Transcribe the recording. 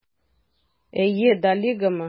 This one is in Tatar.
Әйе, Доллигамы?